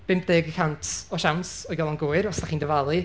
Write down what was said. (bump deg|50} y cant o siawns o'i gal o'n gywir os dach chi'n dyfalu.